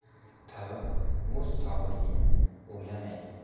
tabib o'z sog'ligini o'ylamaydi